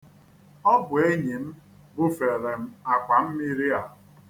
Ọ bụ enyi m bufere m akwammiri a.